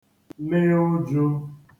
li ụ̄jụ̄